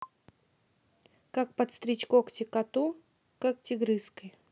как подстричь ногти коту когтегрызкой